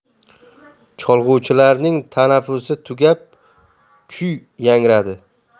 cholg'uvchilarning tanaffusi tugab kuy yangradi